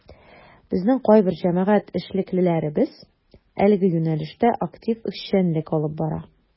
Безнең кайбер җәмәгать эшлеклеләребез әлеге юнәлештә актив эшчәнлек алып бара.